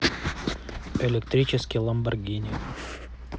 электрический ламборгини